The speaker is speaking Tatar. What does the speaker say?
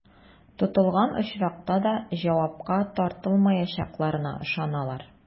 Тотылган очракта да җавапка тартылмаячакларына ышаналар.